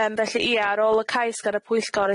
Yym felly ia ar ôl y cais gan y pwyllgor